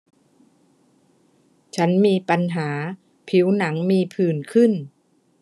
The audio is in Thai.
ฉันมีปัญหาผิวหนังมีผื่นขึ้น